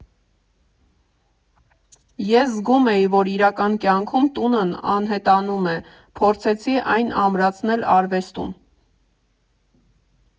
Ես զգում էի, որ իրական կյանքում տունն անհետանում է, փորձեցի այն ամրացնել արվեստում։